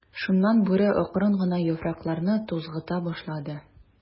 Шуннан Бүре акрын гына яфракларны тузгыта башлады.